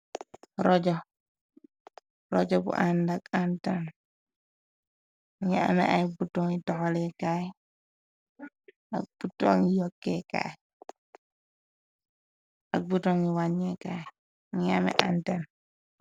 Rajo rajo bu andak anten mu ame ak butoni yoxke kaa ak bu tongi wàññe kaay mu ame anten.